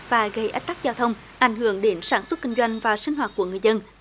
và gây ách tắc giao thông ảnh hưởng đến sản xuất kinh doanh và sinh hoạt của người dân